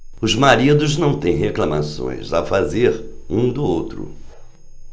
os maridos não têm reclamações a fazer um do outro